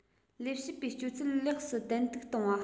ལས བྱེད པའི སྤྱོད ཚུལ ལེགས སུ ཏན ཏིག གཏོང བ